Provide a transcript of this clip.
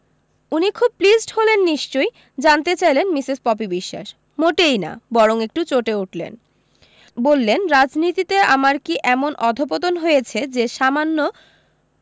উনি খুব প্লিজড হলেন নিশ্চয়ই জানতে চাইলেন মিসেস পপি বিশোয়াস মোটেই না বরং একটু চটে উঠলেন বললেন রাজনীতিতে আমার কী এমন অধপতন হয়েছে যে সামান্য